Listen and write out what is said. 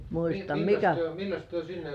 niin mitenkäs te milläs te sinne